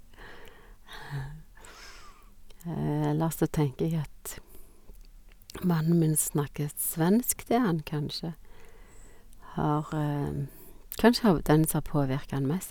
Ellers så tenker jeg at mannen min snakker svensk til han, kanskje har kanskje hav den som har påvirka han mest.